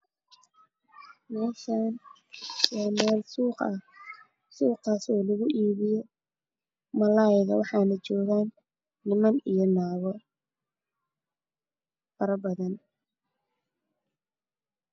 Meeshaan waa meel suuq ah waxaa lugu iibiyaa malay waxaa joogo niman iyo naago.